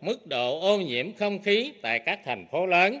mức độ ô nhiễm không khí tại các thành phố lớn